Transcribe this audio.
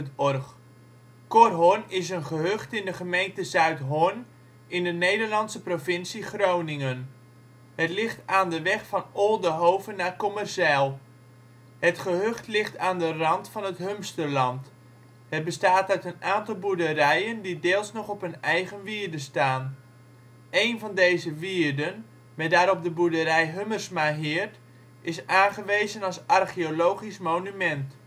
OL Korhorn is een gehucht in de gemeente Zuidhorn in de Nederlandse provincie Groningen. Het ligt aan de weg van Oldehove naar Kommerzijl. Het gehucht ligt aan de rand van het Humsterland. Het bestaat uit een aantal boerderijen die deels nog op een eigen wierde staan. Een van deze wierden, met daarop de boerderij Hummersmaheerd, is aangewezen als archeologisch monument